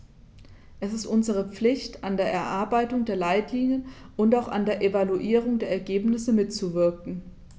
Es ist unsere Pflicht, an der Erarbeitung der Leitlinien und auch an der Evaluierung der Ergebnisse mitzuwirken.